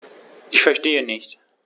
Ich verstehe nicht.